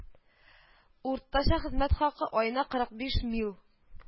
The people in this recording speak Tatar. Уртача хезмәт хакы аена кырык биш мил